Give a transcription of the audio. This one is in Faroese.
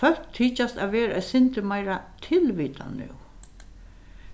fólk tykjast vera eitt sindur meira tilvitað nú